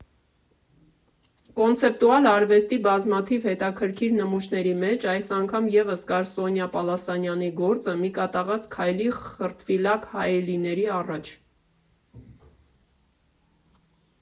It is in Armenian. Կոնցեպտուալ արվեստի բազմաթիվ հետաքրքիր նմուշների մեջ այս անգամ ևս կար Սոնյա Պալասանյանի գործը՝ մի կատաղած գայլի խրտվիլակ հայելիների առաջ։